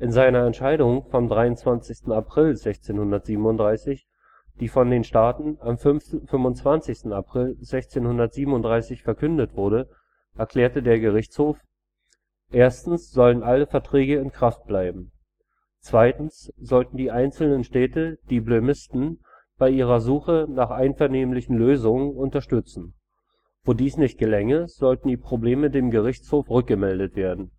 seiner Entscheidung vom 23. April 1637, die von den Staaten am 25. April 1637 verkündet wurde, erklärte der Gerichtshof: Erstens sollten alle Verträge in Kraft bleiben. Zweitens sollten die einzelnen Städte die bloemisten bei ihrer Suche nach einvernehmlichen Lösungen (viam concordiea) unterstützen. Wo dies nicht gelänge, sollten die Probleme dem Gerichtshof rückgemeldet werden